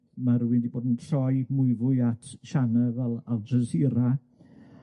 ma' rywun 'di bod yn troi mwyfwy at sianel fel Al Jazeera